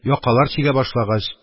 Якалар чигә башлагач,